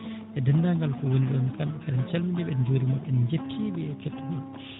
e deenndaangal ko woni ɗon kamɓe kala en calminii ɓe en njuuriima ɓe en njettii ɓe e kettagol